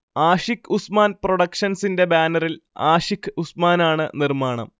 ആഷിക്ഉസ്മാൻ പ്രൊഡക്ഷൻസിന്റെ ബാനറിൽ ആഷിഖ് ഉസ്മാനാണ് നിർമാണം